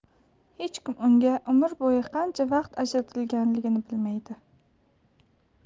hech kim unga umr bo'yi qancha vaqt ajratilganligini bilmaydi